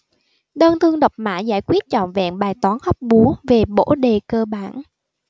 đơn thương độc mã giải quyết trọn vẹn bài toán hóc búa về bổ đề cơ bản